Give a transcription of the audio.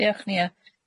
Diolch Nia.